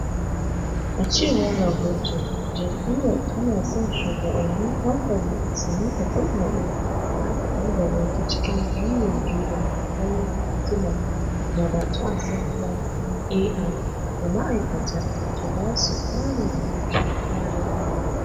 A cewar rahoto jam'iyyar tana son shugabannin kamfani su miƙa kuɗaɗen da aka adana ta cikin juyin juya halin hikimar da ba ta asali ba (AI) ga ma'aikata ta ba su ƙarin hutu kwana guda.